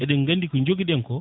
eɗen gandi ko jogui ɗenko